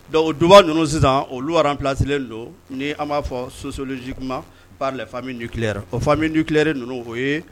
Don o donba ninnu sisan olulu wara psilen don ni an b'a fɔ sosolonsi' la fa ki o fami kire ninnu o ye